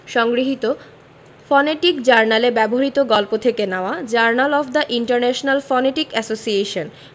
সংগৃহীত ফনেটিক জার্নালে ব্যবহিত গল্প থেকে নেওয়া journal of the international phonetic association